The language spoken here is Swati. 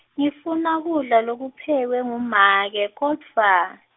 ngifuna kudla lokuphekwe ngumake, kodvwa.